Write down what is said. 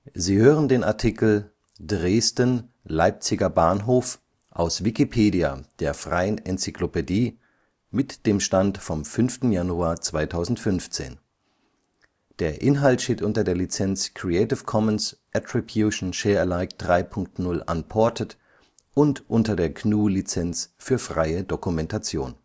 Sie hören den Artikel Dresden Leipziger Bahnhof, aus Wikipedia, der freien Enzyklopädie. Mit dem Stand vom Der Inhalt steht unter der Lizenz Creative Commons Attribution Share Alike 3 Punkt 0 Unported und unter der GNU Lizenz für freie Dokumentation